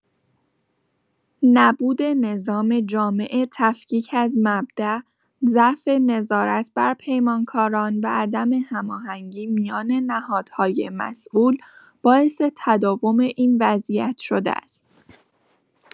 نبود نظام جامع تفکیک از مبدأ، ضعف نظارت بر پیمانکاران، و عدم هماهنگی میان نهادهای مسئول، باعث تداوم این وضعیت شده است.